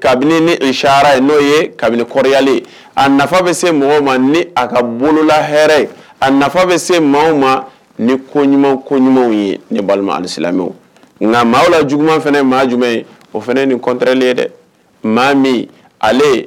kabini ni cara ye n'o ye kabini kɔrɔyalen a bɛ se mɔgɔ ma ni a ka bolola hɛrɛɛ ye a nafa bɛ se mɔgɔ ma ni ko ɲuman ko ɲumanw ye ni balima alisi nka maa la juguuma fana ye maa jumɛn ye o fana ni kɔntelen ye dɛ maa min ale